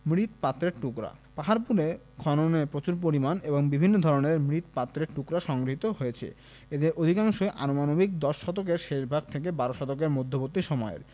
মুৎপাত্রের টুকরা পাহাড়পুর খননে প্রচুর পরিমাণ এবং বিভিন্ন ধরনের মৃৎপাত্রের টুকরা সংগৃহীত হয়েছে এদের অধিকাংশই আনুমানিক দশ শতকের শেষভাগ থেকে বারো শতকের মধ্যবর্তী সময়ের